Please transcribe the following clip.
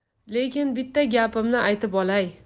lekin bitta gapimni aytib olay